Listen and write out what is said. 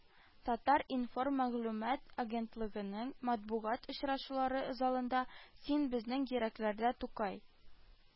“татар-информ” мәгълүмат агентлыгының матбугат очрашулары залында “син безнең йөрәкләрдә, тукай